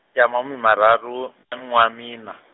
ya mahumi mararu nam- wa miṋa.